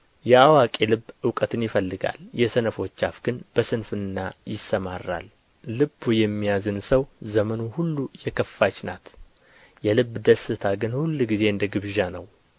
የአዋቂ ልብ እውቀትን ይፈልጋል የሰነፎች አፍ ግን በስንፍና ይሰማራል ልቡ የሚያዝን ሰው ዘመኑ ሁሉ የከፋች ናት የልብ ደስታ ግን ሁልጊዜ እንደ ግብዣ ነው